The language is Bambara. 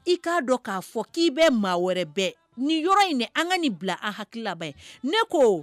I k'a dɔn k'a fɔ k'i bɛ maa wɛrɛ bɛɛ nin yɔrɔ in nin an ka nin bila an hakili laban ye ne ko